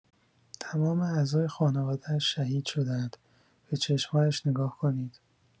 تمام اعضای خانواده‌اش شهید شده‌اند، به چشم‌هایش نگاه کنید!